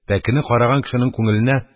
Пәкене караган кешенең күңеленә